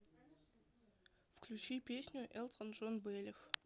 включи песню элтон джон белив